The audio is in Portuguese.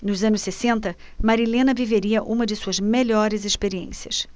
nos anos sessenta marilena viveria uma de suas melhores experiências